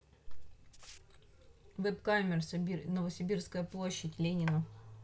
веб камера новосибирская площадь ленина